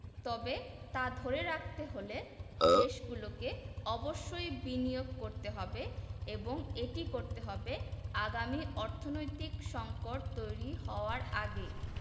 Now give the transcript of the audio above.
তবে তা ধরে রাখতে হলে দেশগুলোকে অবশ্যই বিনিয়োগ করতে হবে এবং এটি করতে হবে আগামী অর্থনৈতিক সংকট তৈরি হওয়ার আগেই